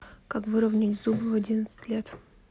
как выровнять зубы в одиннадцать лет